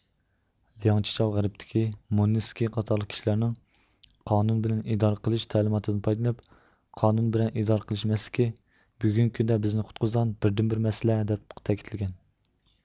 لياڭ چىچاۋ غەربتىكى موننېسكى قاتارلىق كىشىلەرنىڭ قانۇن بىلەن ئىدارە قىلىش تەلىماتىدىن پايدىلىنىپ قانۇن بىلەن ئىدارە قىلىش مەسلىكى بۈگۈنكى كۈندە بىزنى قۇتقۇزىدىغان بىردىنبىر مەسلە دەپ تەكىتلىگەن